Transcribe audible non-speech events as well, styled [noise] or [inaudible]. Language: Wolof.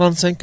[hesitation] [hesitation]